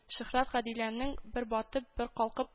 Шөһрәт Гадиләнең бер батып, бер калкып